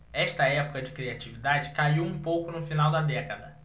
esta época de criatividade caiu um pouco no final da década